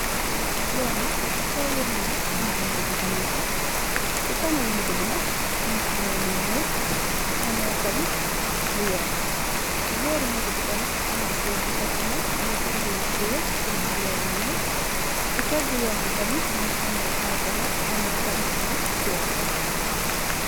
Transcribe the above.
Fii nak, yoon la, si kow yoon bi nak, motto bu fa nekkë. Si kanami motto bi nak, mu ngi amee lu ñuul, amee tamit lu weex.si boori motto bi tamit, góor bu fa taxaw def tubooy bu bulo, def mbuba bu ñuul. Si peegë amee garab, amee ay kér.